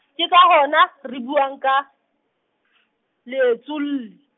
ke ka hona re buang ka , leetsolli.